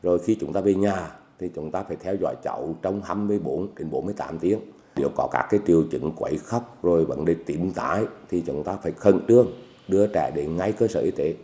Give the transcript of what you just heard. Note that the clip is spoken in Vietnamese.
rồi khi chúng ta về nhà thì chúng ta phải theo dõi cháu trong hăm mươi bốn đến bốn mươi tám tiếng nếu có các triệu chứng quấy khóc rồi dẫn đến tím tái thì chúng ta phải khẩn trương đưa trẻ đến ngay cơ sở y tế